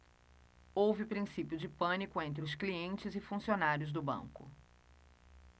houve princípio de pânico entre os clientes e funcionários do banco